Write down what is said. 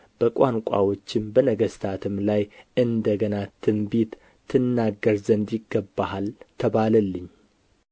በቋንቋዎችም በነገሥታትም ላይ እንደ ገና ትንቢት ትናገር ዘንድ ይገባሃል ተባለልኝ